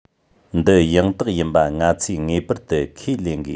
འདི ཡང དག ཡིན པ ང ཚོས ངེས པར དུ ཁས ལེན དགོས